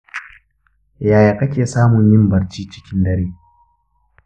yaya kake samun yin barci cikin dare?